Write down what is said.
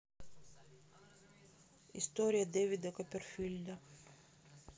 история дэвида копперфильда